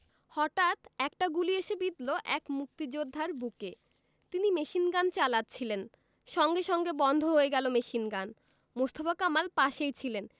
হটাৎ একটা গুলি এসে বিঁধল এক মুক্তিযোদ্ধার বুকে তিনি মেশিনগান চালাচ্ছিলেন সঙ্গে সঙ্গে বন্ধ হয়ে গেল মেশিনগান মোস্তফা কামাল পাশেই ছিলেন